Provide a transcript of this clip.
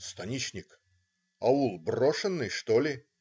"Станичник, аул брошенный, что ли?